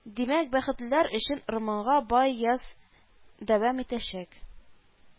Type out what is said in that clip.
Димәк, бәхетлеләр өчен ырмоңга бай яз дәвам итәчәк